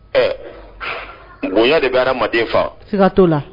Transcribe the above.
Ɛɛ n bonya de' mandenden faa siiga t'o la